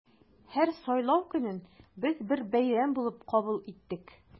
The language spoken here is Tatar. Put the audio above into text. Һәр сайлау көнен без бер бәйрәм булып кабул иттек.